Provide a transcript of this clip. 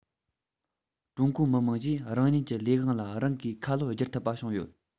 ཀྲུང གོའི མི དམངས ཀྱིས རང ཉིད ཀྱི ལས དབང ལ རང གིས ཁ ལོ སྒྱུར ཐུབ པ བྱུང ཡོད